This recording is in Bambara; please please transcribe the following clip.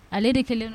Ale de kelen